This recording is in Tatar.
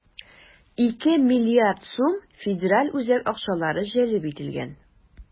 2 млрд сум федераль үзәк акчалары җәлеп ителгән.